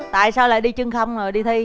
tại sao lại đi chân không rồi đi thi